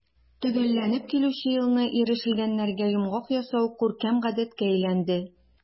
Төгәлләнеп килүче елны ирешелгәннәргә йомгак ясау күркәм гадәткә әйләнде.